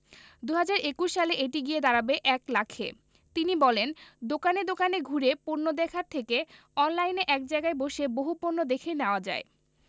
২০২১ সালে এটি গিয়ে দাঁড়াবে ১ লাখে তিনি বলেন দোকানে দোকানে ঘুরে পণ্য দেখার থেকে অনলাইনে এক জায়গায় বসে বহু পণ্য দেখে নেওয়া যায়